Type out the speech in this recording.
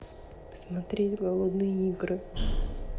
смотреть голодные игры